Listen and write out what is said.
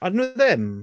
Ydyn nhw ddim?